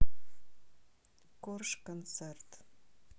корж концерт